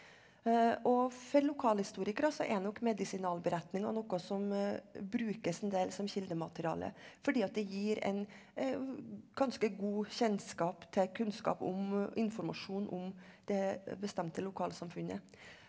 og for lokalhistorikere så er nok medisinalberetninger noe som brukes en del som kildemateriale fordi at det gir en ganske god kjennskap til kunnskap om informasjon om det bestemte lokalsamfunnet.